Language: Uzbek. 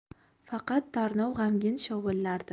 faqat tarnov g'amgin shovullardi